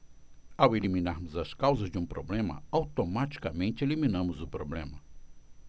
ao eliminarmos as causas de um problema automaticamente eliminamos o problema